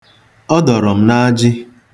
Ọ dọrọ m n'ajị.